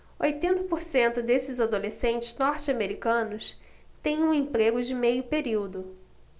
oitenta por cento desses adolescentes norte-americanos têm um emprego de meio período